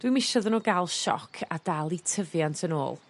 Dwi'm isio iddyn nw ga'l sioc a dal 'u tyfiant yn ôl.